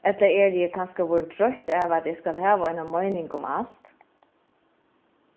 ella eri eg kanska vorðin troytt av at eg skal hava eina meining um alt